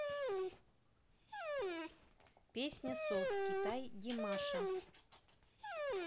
песня sos китай димаша